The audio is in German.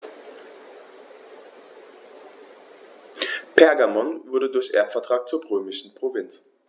Pergamon wurde durch Erbvertrag zur römischen Provinz.